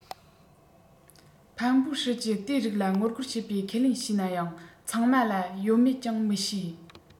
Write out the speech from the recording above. ཕམ པུའུ ཧྲི ཀྱི དེ རིགས ལ ངོ རྒོལ བྱེད པའི ཁས ལེན བྱས ན ཡང ཚང མ ལ ཡོད མེད ཀྱང མི ཤེས